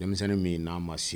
Denmisɛnninmi min ye n'a ma se